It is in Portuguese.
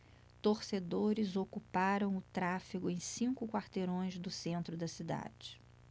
torcedores ocuparam o tráfego em cinco quarteirões do centro da cidade